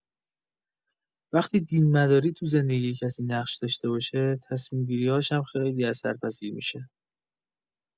وقتی دین‌مداری تو زندگی کسی نقش داشته باشه، تصمیم‌گیری‌هاش هم خیلی اثرپذیر می‌شه.